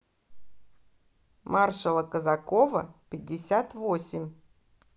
маршала казакова пятьдесят восемь